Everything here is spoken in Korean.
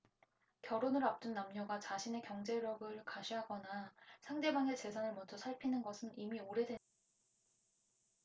결혼을 앞둔 남녀가 자신의 경제력을 과시하거나 상대방의 재산을 먼저 살피는 것은 이미 오래된 일이다